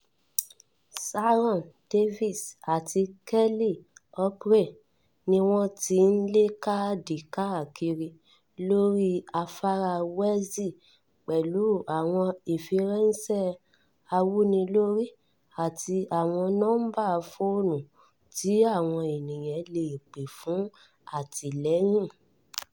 Sharon Davis àti Kelly Humphreys ní wọ́n ti ń lẹ Káàdì káàkiri lórí afárá Welsh pẹ̀lú àwọn ìfiránṣẹ́ awúnilórí àti àwọn nọ́ńbà fóònù tí àwọn ènìyàn le pè fún àtìlẹyìn.